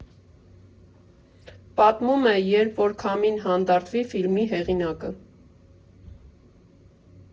Պատմում է «Երբ որ քամին հանդարտվի ֆիլմի» հեղինակը։